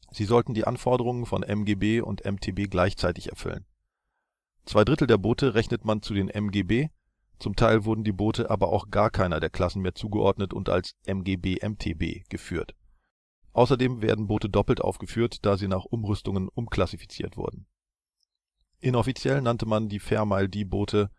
Sie sollten die Anforderungen von MGB und MTB gleichzeitig erfüllen. Zwei Drittel der Boote rechnete man zu den MGB, zum Teil wurden die Boote aber auch gar keiner der Klassen mehr zugeordnet und als MGB/MTB geführt. Außerdem werden Boote doppelt aufgeführt, da sie nach Umrüstungen umklassifiziert wurden. Inoffiziell nannte man sie " Dog Boats ". Die Boote